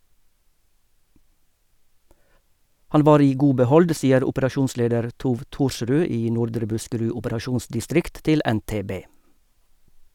Han var i god behold, sier operasjonsleder Thov Thorsrud i Nordre Buskerud operasjonsdistrikt til NTB.